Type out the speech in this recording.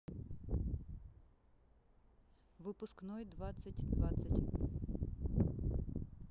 выпускной двадцать двадцать